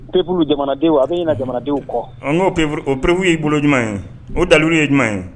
Perepu jamanadenw an bɛ ɲɛna jamanadenw kɔ n'o p o perepbuu ye golo ɲuman ye o dauru ye jumɛn ye